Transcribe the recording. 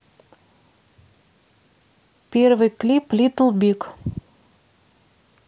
первый клип литл биг